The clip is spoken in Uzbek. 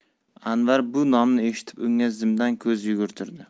anvar bu nomni eshitib unga zimdan ko'z yugurtirdi